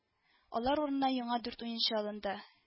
Алар урынына яңа дүрт уенчы алынды